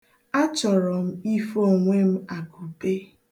Achọrọ m ife onwe m akụpe.